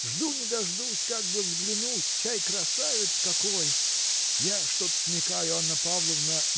Жду не дождусь, как бы взглянуть: чай, красавец какой! Я что-то смекаю, Анна Павловна